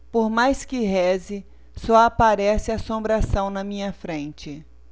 por mais que reze só aparece assombração na minha frente